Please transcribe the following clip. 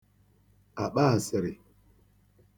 àkpaàsị̀rị̀